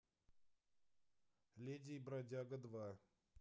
леди и бродяга два